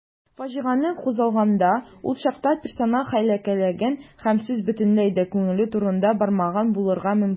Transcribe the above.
Фаҗигане күзаллаганда, ул чакта персонал хәйләләгән һәм сүз бөтенләй дә күнегү турында бармаган булырга мөмкин.